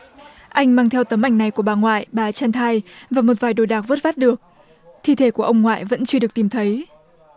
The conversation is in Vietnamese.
anh mang theo tấm ảnh này của bà ngoại bà chân thai và một vài đồ đạc vớt vát được thi thể của ông ngoại vẫn chưa được tìm thấy